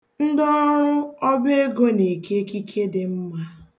Ndịọrụ ọbaego na-eke ekike dị mma